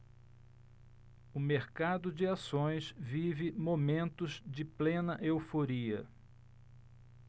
o mercado de ações vive momentos de plena euforia